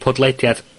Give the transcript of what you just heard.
podlediad...